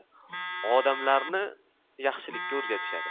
odamlarni yaxshilikka o'rgatishadi